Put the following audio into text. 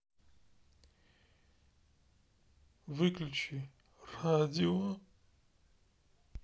выключи радио